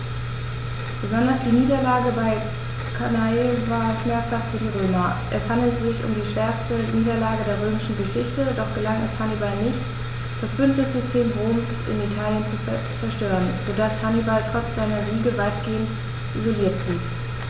Besonders die Niederlage bei Cannae war schmerzhaft für die Römer: Es handelte sich um die schwerste Niederlage in der römischen Geschichte, doch gelang es Hannibal nicht, das Bündnissystem Roms in Italien zu zerstören, sodass Hannibal trotz seiner Siege weitgehend isoliert blieb.